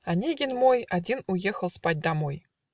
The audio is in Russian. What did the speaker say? Онегин мой Один уехал спать домой.